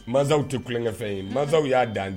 Mansaw tɛ tulonkɛfɛn ye, mansaw y'a dan de